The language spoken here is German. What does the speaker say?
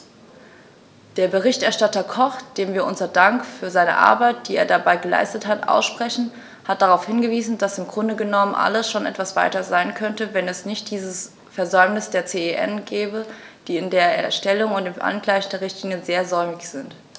Der Berichterstatter Koch, dem wir unseren Dank für seine Arbeit, die er dabei geleistet hat, aussprechen, hat darauf hingewiesen, dass im Grunde genommen alles schon etwas weiter sein könnte, wenn es nicht dieses Versäumnis der CEN gäbe, die in der Erstellung und dem Angleichen der Richtlinie sehr säumig sind.